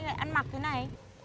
anh ăn mặc như thế này